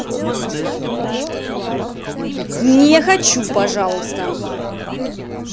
не хочу пожалуйста